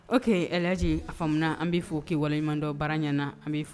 Ok Elhaji, a faamna an bɛ i fɔ' k'i waleɲumandɔ baara yana an bɛ i fo